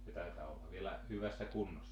se taitaa olla vielä hyvässä kunnossa